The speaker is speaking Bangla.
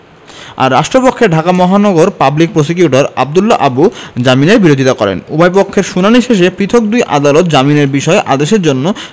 আর রাষ্ট্রপক্ষে ঢাকা মহানগর পাবলিক প্রসিকিউটর আব্দুল্লাহ আবু জামিনের বিরোধিতা করেন উভয়পক্ষের শুনানি শেষে পৃথক দুই আদালত জামিনের বিষয়ে আদেশের জন্য